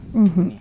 Unhun